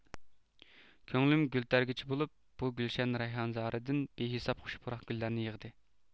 كۆڭلۈم گۈل تەرگۈچى بولۇپ بۇ گۈلشەن رەيھانزارىدىن بىھېساب خۇش پۇراق گۈللەرنى يىغدى